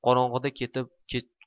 qorong'ida ketib